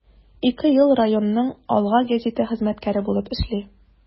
Ике ел районның “Алга” гәзите хезмәткәре булып эшли.